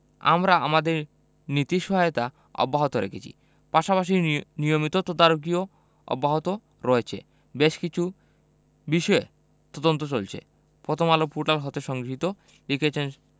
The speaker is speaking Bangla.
আমরা আমাদের নীতি সহায়তা অব্যাহত রেখেছি পাশাপাশি নিয় নিয়মিত তদারকিও অব্যাহত রয়েছে বেশ কিছু বিষয়ে তদন্ত চলছে প্রথমআলো পোর্টাল হতে সংগৃহীত লিখেছেন